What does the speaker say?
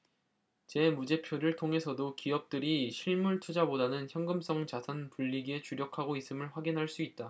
재무제표를 통해서도 기업들이 실물투자보다는 현금성 자산 불리기에 주력하고 있음을 확인할 수 있다